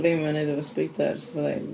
ddim yn wneud efo sbeidars, fyddai'n...